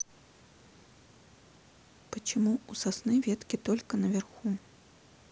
почему у сосны ветки только наверху